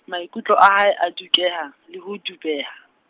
maikutlo a hae a dukeha, le ho dubeha.